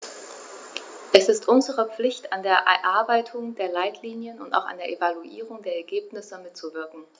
Es ist unsere Pflicht, an der Erarbeitung der Leitlinien und auch an der Evaluierung der Ergebnisse mitzuwirken.